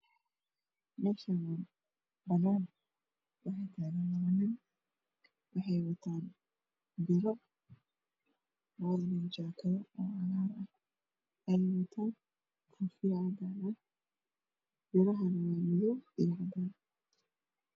Meshani waxaa tagan laba nin wexey wataan biro jakado cagaran